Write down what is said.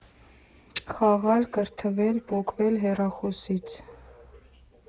Խաղալ, կրթվել, պոկվել հեռախոսից։